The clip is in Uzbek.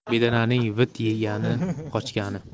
bedananing vit degani qochgani